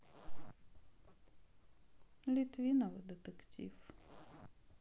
литвиновы детектив